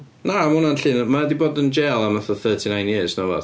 Na, ma hwnna'n llun, ma' o 'di bod yn jail am fatha thirty nine years neu rywbath.